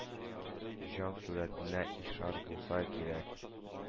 Җан сурәтенә ишарә булса кирәк...